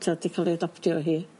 T'od 'di ca'l 'i adoptio hi.